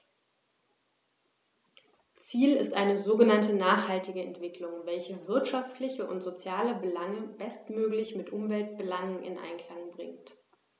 Ziel ist eine sogenannte nachhaltige Entwicklung, welche wirtschaftliche und soziale Belange bestmöglich mit Umweltbelangen in Einklang bringt.